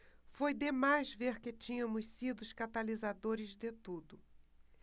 foi demais ver que tínhamos sido os catalisadores de tudo